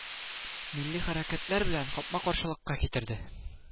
Милли хәрәкәтләр белән капмакаршылыкка китерде